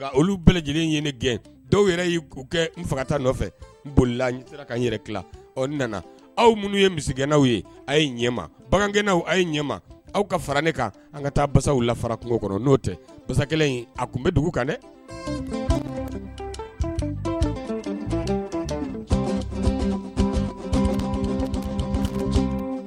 Olu bɛɛ lajɛlen gɛn dɔw yɛrɛ y' kɛ n faga nɔfɛ n boli aw minnu ye miignaw ye a ye ɲɛma bagankɛinaw aw ye ɲɛma aw ka fara ne kan an ka taa basaw lafara kungo kɔnɔ n'o tɛ basa kelen a tun bɛ dugu kan dɛ